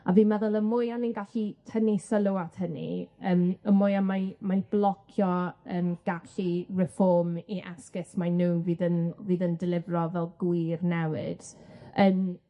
A fi'n meddwl y mwya ni'n gallu tynnu sylw at hynny, yym y mwya mae mae blocio yym gallu Reform i esgus mae nw fydd yn fydd yn delifro fel gwir newid yym.